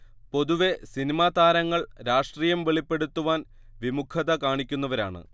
പൊതുവെ സിനിമാതാരങ്ങൾ രാഷ്ട്രീയം വെളിപ്പെടുത്തുവാൻ വിമുഖത കാണിക്കുന്നവരാണ്